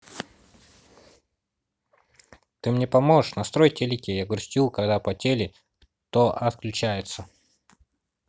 ты мне поможешь настрой телеке я грустю когда по теле кто отключается